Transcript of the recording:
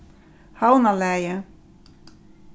havnalagið